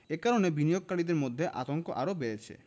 এ কারণে বিনিয়োগকারীদের মধ্যে আতঙ্ক আরও বেড়েছে